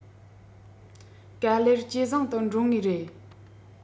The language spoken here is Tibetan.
ག ལེར ཇེ བཟང དུ འགྲོ ངེས རེད